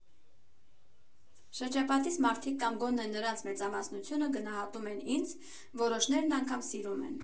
Շրջապատիս մարդիկ, կամ գոնե նրանց մեծամասնությունը, գնահատում են ինձ, որոշներն անգամ սիրում են։